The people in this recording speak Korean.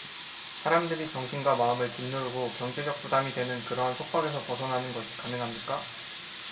사람들이 정신과 마음을 짓누르고 경제적 부담이 되는 그러한 속박에서 벗어나는 것이 가능합니까